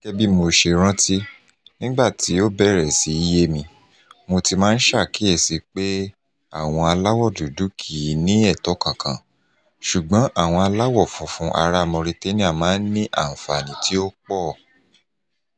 Gẹ́gẹ́ bí mo ṣe rántí, nígbà tí ó bẹ̀rẹ̀ sí í yé mi, mo ti máa ń ṣàkíyèsí pé àwọn aláwọ̀ dúdú kì í ní ẹ̀tọ́ kankan, ṣùgbọ́n àwọn aláwọ̀ funfun ará Mauritania máa ń ní àǹfààní tí ó pọ̀.